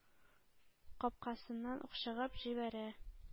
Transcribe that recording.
Капкасыннан ук чыгарып җибәрә.